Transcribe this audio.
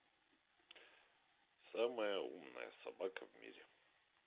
самая умная собака в мире